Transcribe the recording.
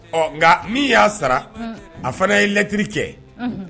Ɔ nka min y'a sara a fana ye lalɛttiri cɛ